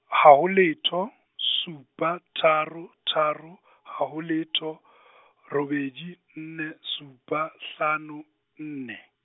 haho letho, supa tharo tharo , haho letho , robedi nne supa hlano, nne.